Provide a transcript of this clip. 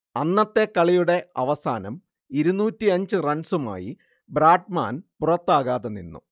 അന്നത്തെ കളിയുടെ അവസാനം ഇരുന്നൂറ്റിയഞ്ച് റൺസുമായി ബ്രാഡ്മാൻ പുറത്താകാതെ നിന്നു